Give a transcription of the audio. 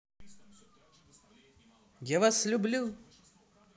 я вас люблю